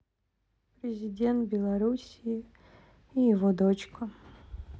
президент белоруссии и его дочка